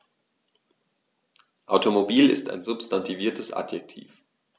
Automobil ist ein substantiviertes Adjektiv.